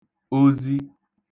ozi